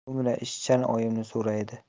so'ngra ishchan oyimni so'raydi